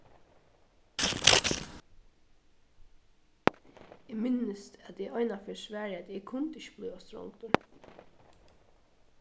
eg minnist at eg einaferð svaraði at eg ikki kundi blíva strongdur